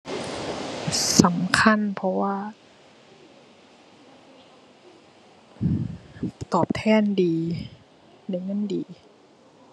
สำคัญ เพราะว่าตอบแทนดี ได้เงินดี